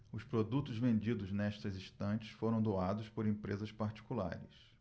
os produtos vendidos nestas estantes foram doados por empresas particulares